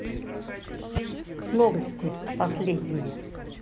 новости последние